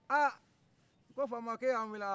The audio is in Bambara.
ko faama ko e y'an wele wa